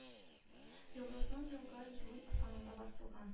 Йолдызның елгы июль санында басылган